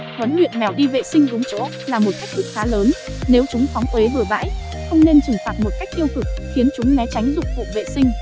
huấn luyện mèo đi vệ sinh đúng chỗ là một thách thức khá lớn nếu chúng phóng uế bừa bãi không nên trừng phạt một cách tiêu cực khiến chúng né tránh dụng cụ vệ sinh